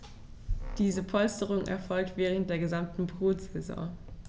Diese Polsterung erfolgt während der gesamten Brutsaison.